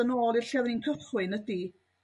yn ôl i'r lle o'dda ni'n cychwyn ydi